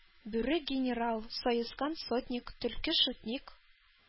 Бүре генерал, саескан сотник, төлке шутник,